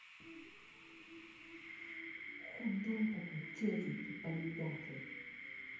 худой такой тетеньки поедатель